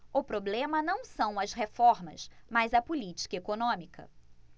o problema não são as reformas mas a política econômica